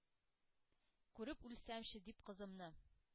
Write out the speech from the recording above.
Күреп үлсәмче, дип, кызымны!